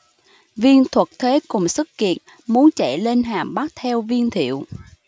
viên thuật thế cùng sức kiệt muốn chạy lên hà bắc theo viên thiệu